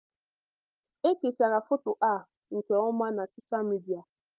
E kesara foto a nke ọma na soshal midịa.